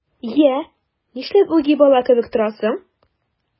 Йә, нишләп үги бала кебек торасың?